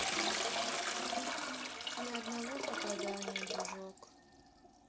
ни одного попадания дружок